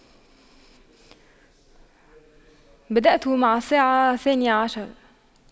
بدأت مع الساعة الثانية عشر